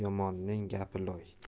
yomonning gapi loy